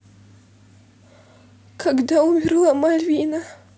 когда умерла мальвина